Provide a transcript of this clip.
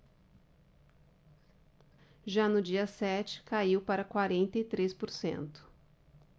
já no dia sete caiu para quarenta e três por cento